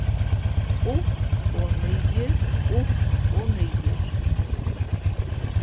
upp og niður upp og niður